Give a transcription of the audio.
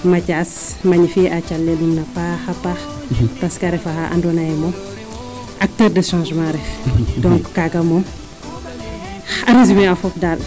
na Mathiase magnifier a calel nuun a paaxa paax parce que a qrefa xaa ando naye moos acteur :frade changement ref donc kaaga moom a resumer a fop daal